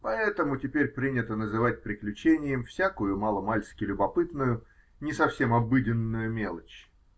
Поэтому теперь принято называть "приключением" всякую мало-мальски любопытную, не совсем обыденную мелочь.